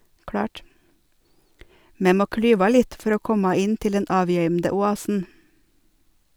Me må klyva litt for å komma inn til den avgøymde oasen.